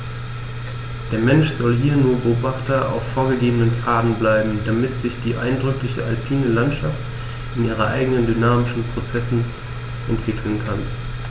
Der Mensch soll hier nur Beobachter auf vorgegebenen Pfaden bleiben, damit sich die eindrückliche alpine Landschaft in ihren eigenen dynamischen Prozessen entwickeln kann.